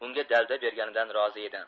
unga dalda berganidan rozi edi